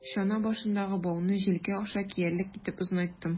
Чана башындагы бауны җилкә аша киярлек итеп озынайттым.